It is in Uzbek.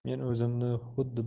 men o'zimni xuddi